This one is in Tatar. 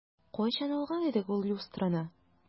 Кайчан алган идек ул люстраны?